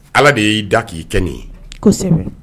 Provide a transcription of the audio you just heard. Ala de y'i da k'i kɛ nin ye